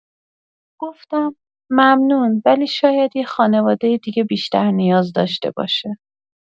گفتم: «ممنون، ولی شاید یه خانواده دیگه بیشتر نیاز داشته باشه.»